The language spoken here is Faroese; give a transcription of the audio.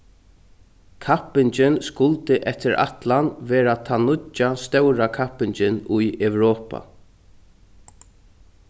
kappingin skuldi eftir ætlan vera tann nýggja stóra kappingin í europa